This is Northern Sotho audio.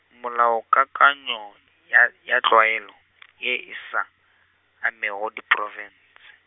melaokakanywa ya, ya tlwaelo, ye e sa, amego diprofense.